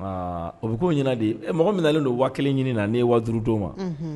O bɛ kɛ ɲɛna de mɔgɔ minɛnlen don wa kelen ɲini na ne ye waduurudon ma